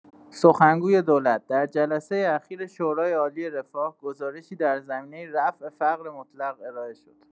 سخنگوی دولت: در جلسه اخیر شورای‌عالی رفاه، گزارشی در زمینه رفع فقر مطلق ارائه شد.